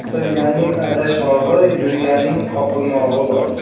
gapiiganning adashmog'i yurganning qoqilmog'i bor